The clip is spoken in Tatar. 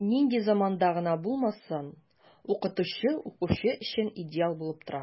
Нинди заманда гына булмасын, укытучы укучы өчен идеал булып тора.